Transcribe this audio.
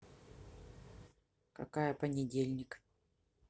какая недельник